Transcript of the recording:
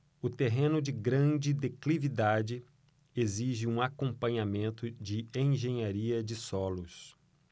o terreno de grande declividade exige um acompanhamento de engenharia de solos